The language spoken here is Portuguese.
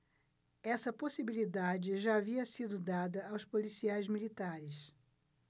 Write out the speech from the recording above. essa possibilidade já havia sido dada aos policiais militares